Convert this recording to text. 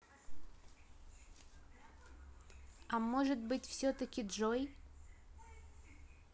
а может быть все таки джой